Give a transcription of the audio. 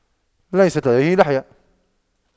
ليست لديه لحية